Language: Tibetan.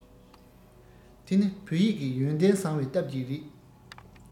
དེ ནི བོད ཡིག གི ཡོན ཏན བཟང བའི སྟབས ཀྱིས རེད